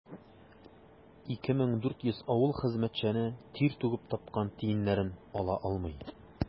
2400 авыл хезмәтчәне тир түгеп тапкан тиеннәрен ала алмый.